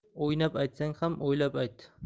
o'ynab aytsang ham o'ylab ayt